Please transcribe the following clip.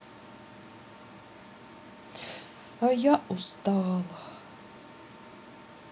а я устала